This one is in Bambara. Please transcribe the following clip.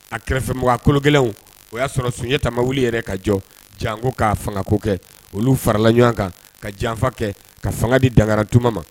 A kɛrɛfɛmɔgɔya kolo gɛlɛnw o y'a sɔrɔ Sunjata ma wuli yɛrɛ ka jɔ janko ka fangako kɛ olu farala ɲɔgɔn kan ka janfa kɛ ka fanga di Dankaratuma ma